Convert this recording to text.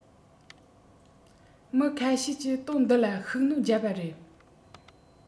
མི ཁ ཤས ཀྱིས དོན འདི ལ ཤུགས སྣོན བརྒྱབ པ རེད